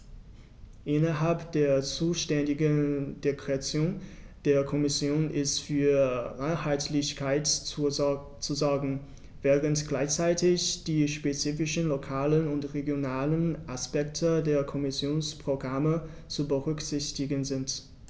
Innerhalb der zuständigen Direktion der Kommission ist für Einheitlichkeit zu sorgen, während gleichzeitig die spezifischen lokalen und regionalen Aspekte der Kommissionsprogramme zu berücksichtigen sind.